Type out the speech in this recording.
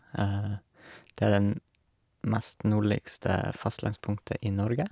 Det er den mest nordligste fastlandspunktet i Norge.